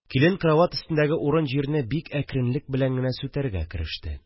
Килен карават өстендәге урын-җирне бик әкренлек белән генә сүтәргә кереште